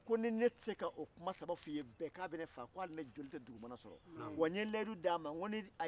wajulikɛlaw bɛ a fɔ cogomina ni muso sara kaburu kɔnɔ muso kolo ani cɛ kolo bɛ don ka bɔ ɲɔgɔnna cogodi